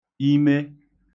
imē